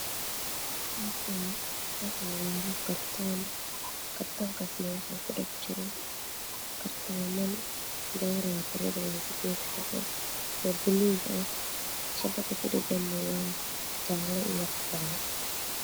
Halkani waxaa yaalo kartoon kartoonkaan waxa ku dhex jiro kartooman kaaraayo tiradooda sided xabo oo buluug ah shabada ku dhegana waa jaalo iyo cadaan